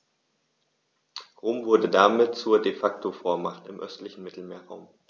Rom wurde damit zur ‚De-Facto-Vormacht‘ im östlichen Mittelmeerraum.